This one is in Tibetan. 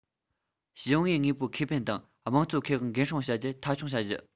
ཞིང པའི དངོས པོའི ཁེ ཕན དང དམངས གཙོའི ཁེ དབང འགན སྲུང བྱ རྒྱུ མཐའ འཁྱོངས བྱ རྒྱུ